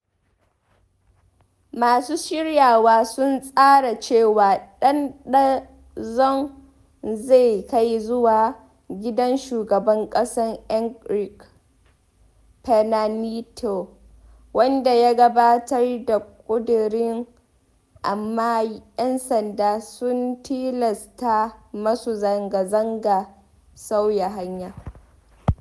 Masu shiryawa sun tsara cewa dandazon zai kai zuwa gidan shugaban ƙasa Enrique Pena Nieto, wanda ya gabatar da ƙudirin, amma ‘yan sanda sun tilasta masu zanga-zanga sauya hanya.